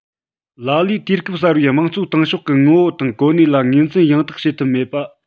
ལ ལས དུས སྐབས གསར པའི དམངས གཙོའི ཏང ཤོག གི ངོ བོ དང གོ གནས ལ ངོས འཛིན ཡང དག བྱེད ཐུབ མེད པ